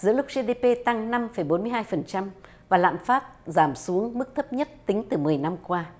giữa lúc gi đi pi tăng năm phẩy bốn mươi hai phần trăm và lạm phát giảm xuống mức thấp nhất tính từ mười năm qua